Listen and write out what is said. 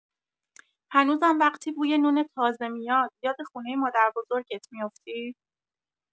هنوزم وقتی بوی نون تازه میاد، یاد خونه مادربزرگت می‌افتی؟